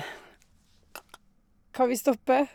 ka ka Kan vi stoppe?